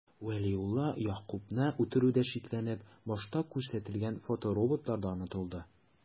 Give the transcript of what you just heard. Вәлиулла Ягъкубны үтерүдә шикләнеп, башта күрсәтелгән фотороботлар да онытылды...